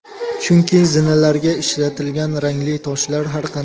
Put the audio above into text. chunki zinalarga ishlatilgan rangli toshlar har